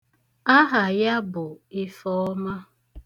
Aha ya bụ Ifeọma.